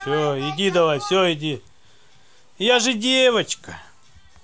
я же девочка